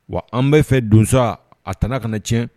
Wa an bɛɛ fɛ donso a tɛna ka na tiɲɛ